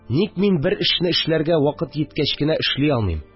Ник мин бер эшне эшләргә вакыт җиткәч кенә эшли алмыйм